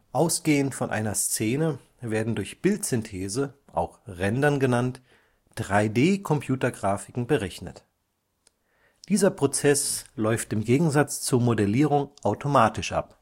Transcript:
Ausgehend von einer Szene werden durch Bildsynthese, auch Rendern genannt, 3D-Computergrafiken berechnet. Dieser Prozess läuft im Gegensatz zur Modellierung automatisch ab